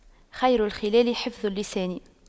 خير الخلال حفظ اللسان